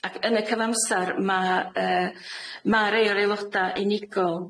Ac yn y cyfamsar, ma' yy ma' rei o'r aeloda' unigol